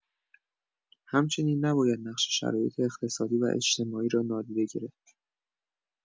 همچنین نباید نقش شرایط اقتصادی و اجتماعی رو نادیده گرفت.